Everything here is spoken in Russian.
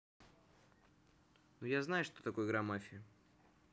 ну я знаешь что такое игра мафия